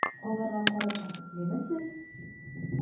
Аларга карап бәхетлеме сез?